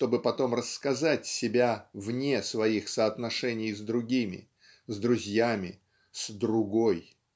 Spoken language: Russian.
чтобы потом рассказать себя вне своих соотношений с другими с друзьями с Другой.